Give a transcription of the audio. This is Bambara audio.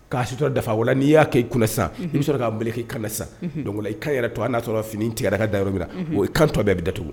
K'a situra dafa wala n'i y'a'i kunɛ sa i bɛ sɔrɔ k'a k'i san dɔnkili i kan yɛrɛ to a y'a sɔrɔ fini tigɛ ka da yɔrɔ min na o kanto bɛɛ bɛ daugu